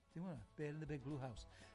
Be' yw wnna? Bale in the Big Blue House.